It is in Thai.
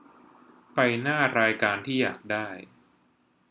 ไปหน้ารายการที่อยากได้